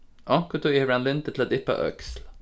onkuntíð hevur hann lyndi til at yppa øksl